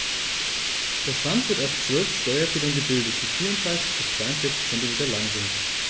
Der Schwanz wird aus 12 Steuerfedern gebildet, die 34 bis 42 cm lang sind.